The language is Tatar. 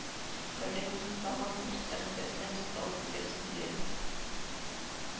Газетаның тагы бер сәхифәсенә тукталып үтәсем килә